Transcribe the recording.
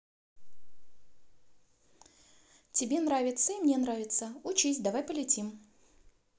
тебе нравится и мне нравится учись давай полетим